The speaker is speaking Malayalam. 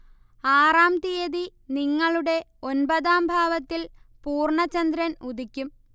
ആറാം തീയതി നിങ്ങളുടെ ഒൻപതാം ഭാവത്തിൽ പൂർണ്ണ ചന്ദ്രൻ ഉദിക്കും